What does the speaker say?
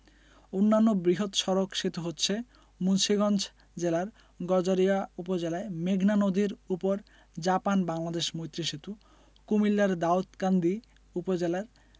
অন্যান্য বৃহৎ সড়ক সেতু হচ্ছে মুন্সিগঞ্জ জেলার গজারিয়া উপজেলায় মেঘনা নদীর উপর জাপান বাংলাদেশ মৈত্রী সেতু কুমিল্লার দাউদকান্দি উপজেলার